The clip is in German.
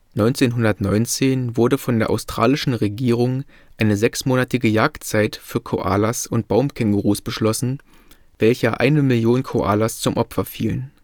1919 wurde von der australischen Regierung eine sechsmonatige Jagdzeit für Koalas (und Baumkängurus) beschlossen, welcher eine Million Koalas zum Opfer fielen